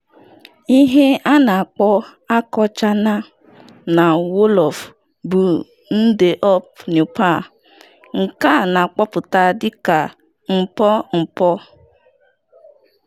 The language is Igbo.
Ihe a na-akpọ "akọchana" na Wolof bụ ndeup neupal (nke a na-akpọpụta dịka "n-puh n-puh")